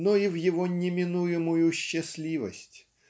но и в его неминуемую счастливость